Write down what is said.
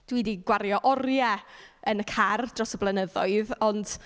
Dwi 'di gwario oriau yn y car dros y blynyddoedd, ond...